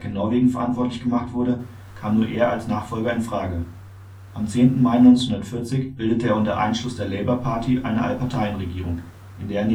Norwegen verantwortlich gemacht wurde, kam nur er als Nachfolger in Frage. Am 10. Mai 1940 bildete er unter Einschluss der Labour Party eine Allparteienregierung, in der